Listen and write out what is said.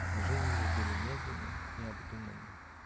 Движения его были медленны и обдуманны.